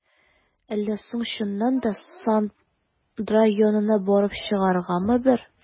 Әллә соң чыннан да, Сандра янына барып чыгаргамы бер?